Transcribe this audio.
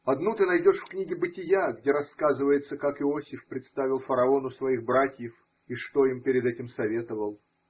Одну ты найдешь в книге Бытия, где рассказывается, как Иосиф представил фараону своих братьев и что им перед этим советовал.